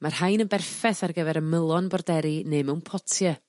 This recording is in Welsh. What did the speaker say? ma'r rhain yn berffeth ar gyfer ymylon borderi ne' mewn potie.